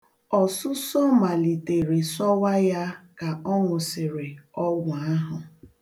Ọsụsọ malitere sọwa ya ka ọ ṅụsịrị ọgwụ ahụ.